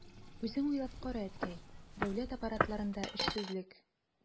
Үзең уйлап кара, әткәй, дәүләт аппаратларында эшсезлек...